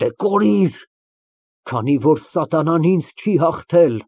Դեհ կորիր, քանի որ սատանան ինձ չի հաղթել։